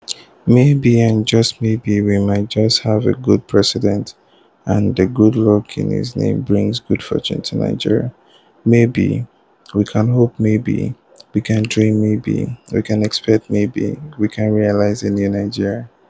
Maybe and just maybe, we might just have a good President and the good luck in his name brings good fortune to Nigeria, maybe, we can hope, maybe, we can dream, maybe, we can expect, maybe, we can realise – A New Nigeria.